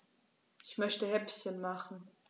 Ich möchte Häppchen machen.